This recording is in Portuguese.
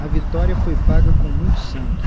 a vitória foi paga com muito sangue